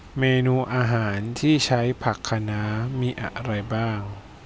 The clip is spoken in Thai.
เมนูอาหารที่ใช้ผักคะน้ามีอะไรบ้าง